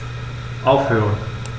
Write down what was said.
Aufhören.